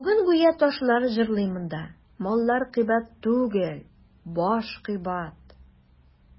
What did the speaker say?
Бүген гүя ташлар җырлый монда: «Маллар кыйбат түгел, баш кыйбат».